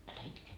älä itke